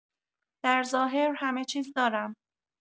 در ظاهر همه‌چیز دارم.